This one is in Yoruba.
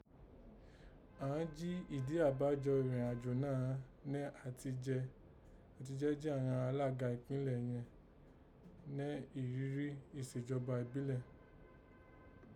Àán jí ìdí àbájo ìrẹ́n àjò náà nẹ́ àti jẹ́ jí àghan alága ìpínlè yẹ̀n nẹ́ ìrírí ìsèjọba ìbílẹ̀